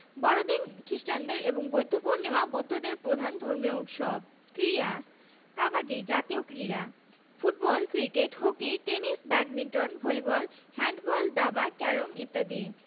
বড়দিন খ্রিস্টানদের এবং বৌদ্ধপূর্ণিমা বৌদ্ধদের প্রধান ধর্মীয় উৎসব ক্রীড়াঃ কাবাডি জাতীয় ক্রীড়া football cricket hockey tennis badminton volleyball handball দাবা ক্যারম ইত্যাদি